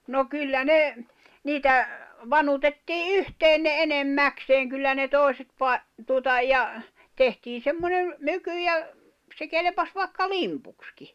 no kyllä ne niitä vanutettiin yhteen ne enimmäkseen kyllä ne toiset - tuota ja tehtiin semmoinen myky ja se kelpasi vaikka limpuksikin